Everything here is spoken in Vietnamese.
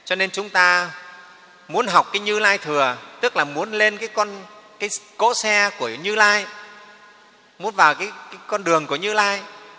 cho nên chúng ta muốn học như lai thừa tức là muốn lên cái cỗ xe của như lai muốn vào cái con đường của như lai